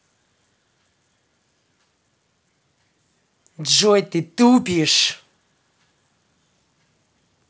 джой ты тупишь